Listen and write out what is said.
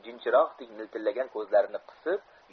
keyin jinchiroqdek miltillagan ko'zlarini qisib